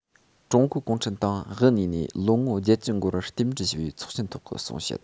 ༄༅ ཀྲུང གོའི གུང ཁྲན ཏང དབུ བརྙེས ནས ལོ ངོ བརྒྱད ཅུ འཁོར བར རྟེན འབྲེལ ཞུ བའི ཚོགས ཆེན ཐོག གི གསུང བཤད